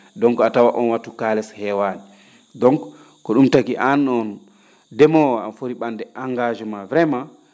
donc a tawat oon wattu kaales heewaani donc ko ?uum taki aan oon ndemoowo aan foti ?a?de engagement vraiment